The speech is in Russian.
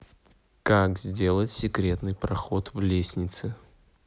как сделать секретный проход в лестнице